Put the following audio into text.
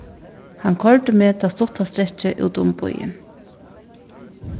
hann koyrdi meg tað stutta strekkið út um býin